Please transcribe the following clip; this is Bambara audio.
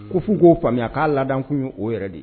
Ko f' k'o faamuya k'a ladakun ye'o yɛrɛ de ye